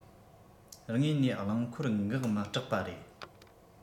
དངོས ནས རླངས འཁོར འགག མི སྐྲག པ རེད